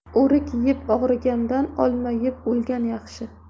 o'rik yeb og'rigandan olma yeb o'lgan yaxshi